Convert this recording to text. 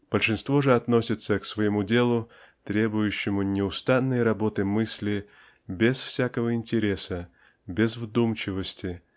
большинство же относится к своему делу требующему неустанной работы мысли без всякого интереса без вдумчивости